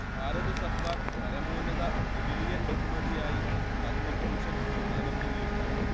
ഭാരത സർക്കാർ പരമോന്നത സിവിലിയൻ ബഹുമതിയാ പദ്മഭൂഷൺ സമ്മാനിക്കുകയുണ്ടായി